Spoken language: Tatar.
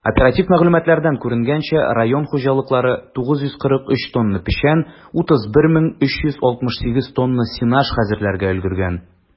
Оператив мәгълүматлардан күренгәнчә, район хуҗалыклары 943 тонна печән, 31368 тонна сенаж хәзерләргә өлгергән.